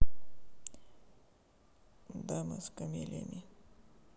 дама с камелиями